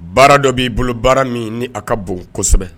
Baara dɔ b'i bolo baara min ni a ka bon kosɛbɛ